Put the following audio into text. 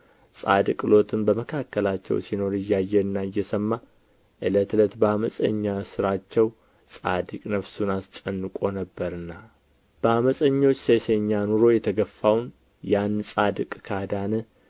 ጻድቅ ሎጥም በመካከላቸው ሲኖር እያየና እየሰማ ዕለት ዕለት በዓመፀኛ ሥራቸው ጻድቅ ነፍሱን አስጨንቆ ነበርና በዓመፀኞች ሴሰኛ ኑሮ የተገፋውን ያን ጻድቅ ካዳነ